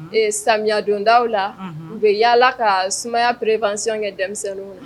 Ee samiyɛyadonda la u bɛ yalala ka sumaya pereepsi kɛ denmisɛnnin